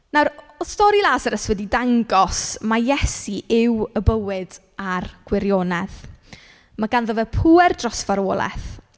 Nawr oedd stori Lazarus wedi dangos mai Iesu yw y bywyd a'r gwirionedd. Mae ganddo fe pŵer dros farwolaeth.